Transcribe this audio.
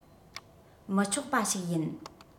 མི ཆོག པ ཞིག ཡིན